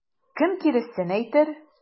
Кем киресен әйтер?